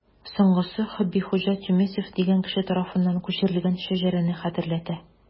Соңгысы Хөббихуҗа Тюмесев дигән кеше тарафыннан күчерелгән шәҗәрәне хәтерләтә.